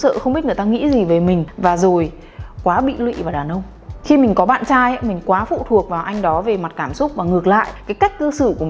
không biết người ta nghĩ gì về mình và rồi quá bị lụy vào đàn ông khi mình có bạn trai mình quá phụ thuộc vào anh đó về mặt cảm xúc và ngược lại cái cách cư xử của mình